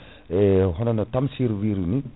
e honono Tamsir wiri ni